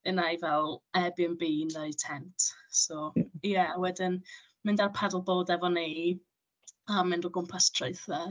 Un ai fel Airbnb neu tent, so ie. A wedyn mynd â'r paddleboard efo ni a mynd o gwmpas traethau.